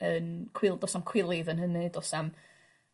yn cwil- do's na'm cwilydd yn hynny do's 'na'm